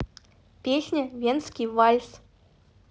песня венский вальс